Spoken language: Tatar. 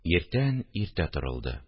Иртән иртә торылды